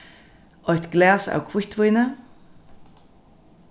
eitt glas av hvítvíni